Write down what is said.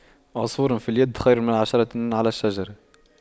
عصفور في اليد خير من عشرة على الشجرة